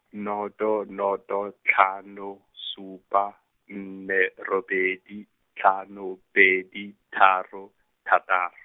nnoto nnoto, tlhano, supa, nne, robedi, tlhano, pedi, tharo, thatar-.